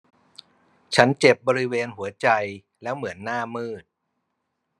ฉันเจ็บบริเวณหัวใจแล้วเหมือนหน้ามืด